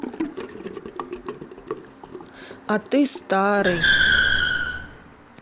а ты старый